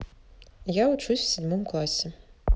я учусь в седьмом классе